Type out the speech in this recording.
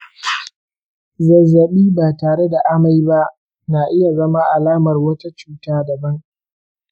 zazzabi ba tare da amai ba na iya zama alamar wata cutar daban.